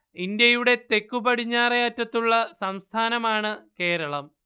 ഇന്ത്യയുടെ തെക്കുപടിഞ്ഞാറെ അറ്റത്തുള്ള സംസ്ഥാനമാണ് കേരളം